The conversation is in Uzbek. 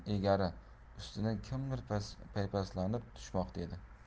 ustidan kimdir paypaslanib tushmoqda edi